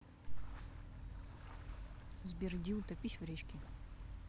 сбер иди утопись в речке